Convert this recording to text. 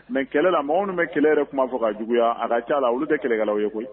Mɛ kɛlɛla maaw minnu bɛ kɛlɛ yɛrɛ kuma fɔ ka juguya a ka ca la olu tɛ kɛlɛkɛlaw ye koyi